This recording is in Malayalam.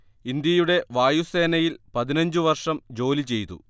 ഇന്ത്യയുടെ വായുസേനയിൽ പതിനഞ്ചു വർഷം ജോലി ചെയ്തു